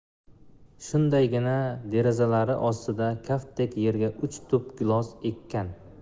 shundaygina derazalari ostidagi kaftdek yerga uch tup gilos ekkan